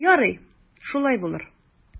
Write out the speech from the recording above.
Ярый, шулай булыр.